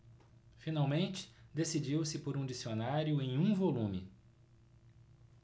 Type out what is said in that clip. finalmente decidiu-se por um dicionário em um volume